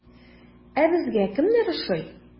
Ә безгә кемнәр ошый?